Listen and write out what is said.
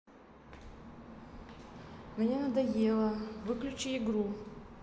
мне надоело выключи игру